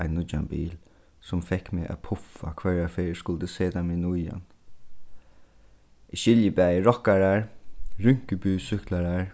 ein nýggjan bil sum fekk meg at puffa hvørja ferð eg skuldi seta meg inn í hann eg skilji bæði rokkarar rynkebysúkklarar